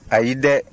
ayi dɛ